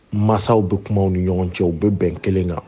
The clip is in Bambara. Masaw bɛ kuma u ni ɲɔgɔn cɛ, u bɛ bɛn kelen na.